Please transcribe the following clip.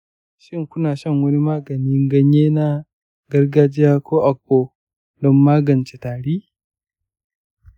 shin kuna shan wani maganin ganye na gargajiya ko agbo don magance tarin?